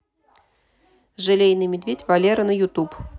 желейный медведь валера на ютуб